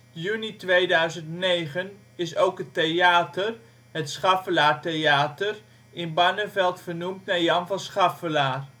juni 2009 is ook het theater (Schaffelaartheater) in Barneveld vernoemd naar Jan van Schaffelaar